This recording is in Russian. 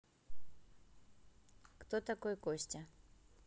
кто такой костя